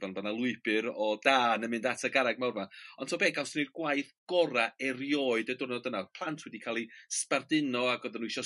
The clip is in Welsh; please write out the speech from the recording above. Ond o' 'na lwybyr o dân yn mynd at y garreg mawr 'ma ond ta be' gawson ni'r gwaith gora' erioed y diwrnod yna. Odd plant wedi ca'l 'u sbarduno ag oddan nhw isio